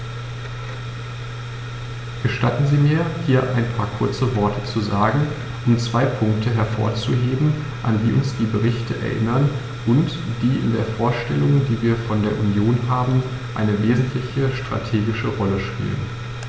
Gestatten Sie mir, hier ein paar kurze Worte zu sagen, um zwei Punkte hervorzuheben, an die uns diese Berichte erinnern und die in der Vorstellung, die wir von der Union haben, eine wesentliche strategische Rolle spielen.